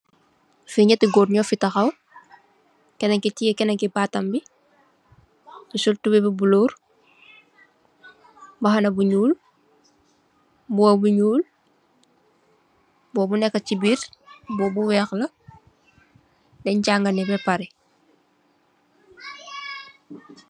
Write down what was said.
Fii njehti gorre njur fii takhaw, kenen kii tiyeh kenen kii batam bii, mu sol tubeiyy bu bulorre, mbahanah bu njull, mbuba bu njull, bobu neka chi birr, bobu bu wekh la, dengh jaanga nii beh pareh.